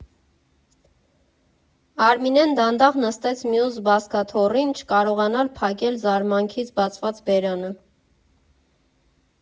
Արմինեն դանդաղ նստեց մյուս բազկաթոռին՝ չկարողանալ փակել զարմանքից բացված բերանը։